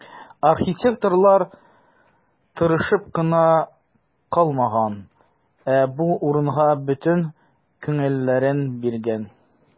Архитекторлар тырышып кына калмаган, ә бу урынга бөтен күңелләрен биргән.